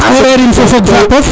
ndax ko rerin fo fog fapof